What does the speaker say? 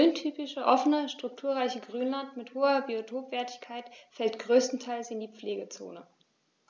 Das rhöntypische offene, strukturreiche Grünland mit hoher Biotopwertigkeit fällt größtenteils in die Pflegezone.